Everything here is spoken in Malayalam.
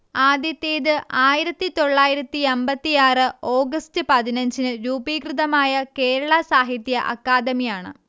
ആദ്യത്തേത് ആയിരത്തി തൊള്ളായിരത്തിയമ്പത്തിയാറ് ഓഗസ്റ്റ് പതിനഞ്ച്നു രൂപീകൃതമായ കേരള സാഹിത്യ അക്കാദമി യാണ്